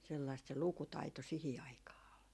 sellaista se lukutaito siihen aikaan oli